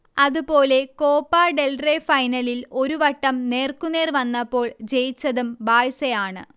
അതുപോലെ Copa del Rey ഫൈനലിൽ ഒരു വട്ടം നേർക്കുനേർ വന്നപ്പോൾ ജയിച്ചതും ബാഴ്സയാണ്